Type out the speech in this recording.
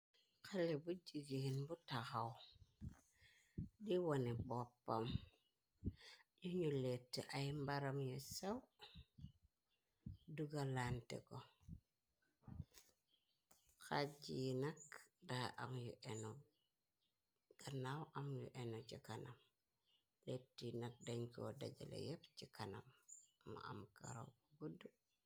Xale bu jigeen bu taxaw di wone boppam yuñu letti ay mbaram yu sew dugalante ko xaj yi nak damyu eno gannaaw am yu eno ci kanam let yi nak dañ ko dajala yépp ci kanam am am karaw ku gudd.